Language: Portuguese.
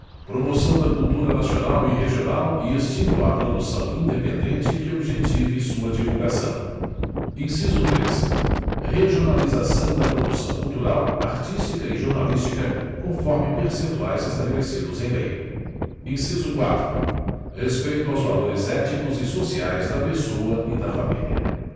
promoção da cultura nacional e regional e estímulo à produção independente que objetive sua divulgação inciso três regionalização da produção cultural artística e jornalística conforme percentuais estabelecidos em lei inciso quatro respeito aos valores éticos e sociais da pessoa e da família